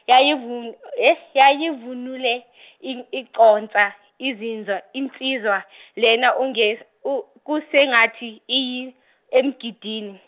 yayivun- yayivunule in- iconsa izinzwa insizwa lena unge- u- kusengathi iyi- emgidini.